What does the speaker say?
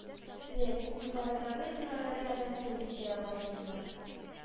Леп, югарыдагы түрәләргә дә тел тидерә башлыйлар